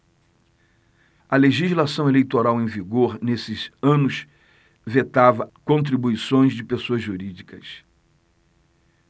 a legislação eleitoral em vigor nesses anos vetava contribuições de pessoas jurídicas